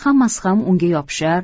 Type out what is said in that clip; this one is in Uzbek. hammasi ham unga yopishar